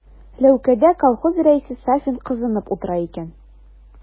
Ләүкәдә колхоз рәисе Сафин кызынып утыра икән.